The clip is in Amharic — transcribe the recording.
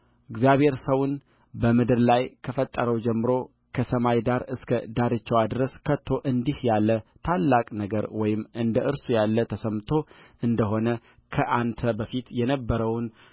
እግዚአብሔር ሰውን በምድር ላይ ከፈጠረው ጀምሮ ከሰማይ ዳር እስከ ዳርቻዋ ድረስ ከቶ እንዲህ ያለ ታላቅ ነገር ወይም እንደ እርሱ ያለ ተሰምቶ እንደሆነ ከአንተ በፊት የነበረውን